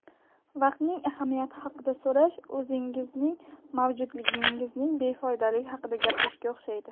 vaqtning ahamiyati haqida so'rash o'zingizning mavjudligingizning befoydaligi haqida gapirishga o'xshaydi